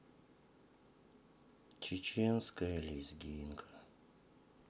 чеченская лезгинка